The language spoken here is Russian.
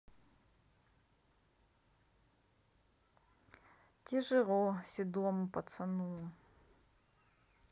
тяжело седому пацану